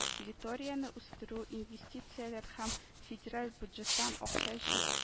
Территорияне үстерү, инвестицияләр һәм федераль бюджеттан акча җи